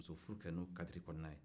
musofuru kɛ n'o kadiri kɔnɔna ye